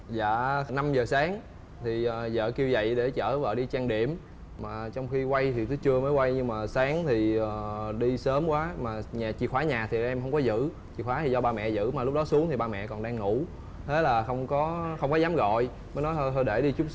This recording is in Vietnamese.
dạ năm giờ sáng thì dợ kêu dậy để chở vợ đi trang điểm mà trong khi quay thì tới trưa mới quay nhưng mà sáng thì đi sớm quá mà nhà chìa khóa nhà thì em hông có giữ chìa khóa do ba mẹ giữ mà lúc đó xuống thì ba mẹ còn đang ngủ thế là không có không có dám gọi mới nói thôi thôi để đi chút